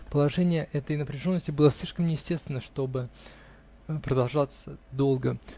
Положение этой напряженности было слишком неестественно, чтобы продолжаться долго.